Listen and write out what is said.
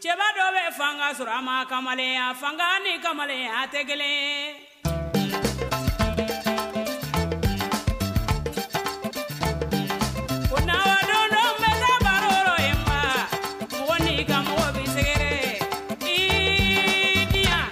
Cɛman dɔ bɛ fanga sɔrɔ a ma kamalenya fanga ni kamalen a tɛ kelen bɛ ba in ma ko ni ka bɛ seginyan